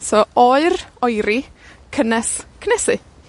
So oer, oeri, cynnes cynesu.